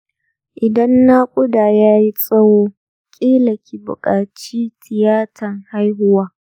idan naƙuda yayi tsawo ƙila ki buƙaci tiyatan haihuwa